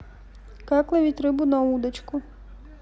как ловить рыбу на удочку